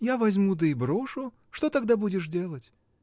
Я возьму да и брошу: что тогда будешь делать?.